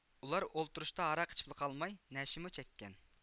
ئۇلار ئولتۇرۇشتا ھاراق ئىچىپلا قالماي نەشىمۇ چەككەن